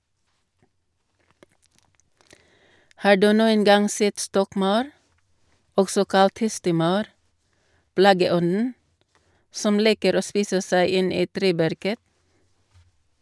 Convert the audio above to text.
Har du noen gang sett stokkmaur, også kalt hestemaur, plageånden som liker å spise seg inn i treverket?